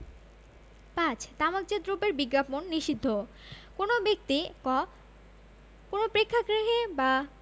৫ তামাকজপাত দ্রব্যের বিজ্ঞাপন নিষিদ্ধ কোন ব্যক্তিঃ ক কোন প্রেক্ষগ্রহে বা